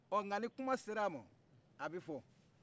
ɔ nka ni kuma sera ma a bɛ fɔ